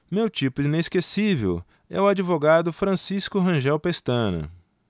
meu tipo inesquecível é o advogado francisco rangel pestana